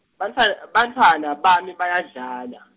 bantfwan- bantfwana bami bayadlala.